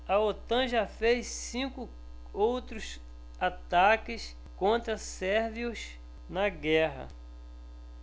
a otan já fez cinco outros ataques contra sérvios na guerra